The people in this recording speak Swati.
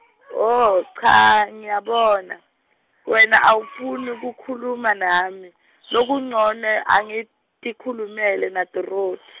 wo cha ngiyabona, wena awufuni kukhuluma nami, lokuncono angitikhulumele naDorothi.